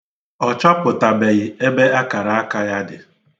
Ọ chọpụtabeghị ebe akaraka ya dị.